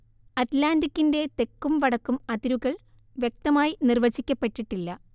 അറ്റ്‌ലാന്റിക്കിന്റെ തെക്കും വടക്കും അതിരുകൾ വ്യക്തമായി നിർവചിക്കപ്പെട്ടിട്ടില്ല